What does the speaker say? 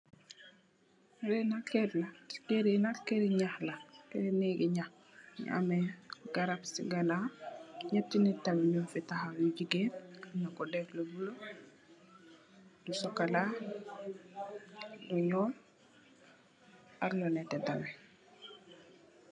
Li nak keur la keuri nak keur neeegi nxaax la keur neeegi nxaax yu amex garab si kanaw neeti nit tamit nyun fi taxaw yu jigeen amna ku def lu bulu lu cxocola lu nuul ak lu nete tamit.